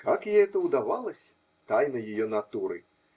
Как ей это удавалось -- тайна ее натуры.